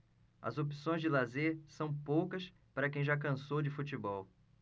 as opções de lazer são poucas para quem já cansou de futebol